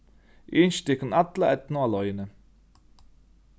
eg ynski tykkum alla eydnu á leiðini